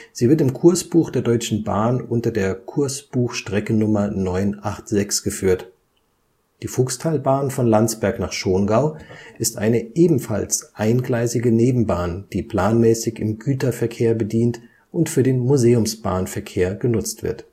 Sie wird im Kursbuch der Deutschen Bahn unter der Kursbuchstreckennummer 986 geführt. Die Fuchstalbahn von Landsberg nach Schongau (VzG-Nummer 5365) ist eine ebenfalls eingleisige Nebenbahn, die planmäßig im Güterverkehr bedient und für den Museumsbahnverkehr genutzt wird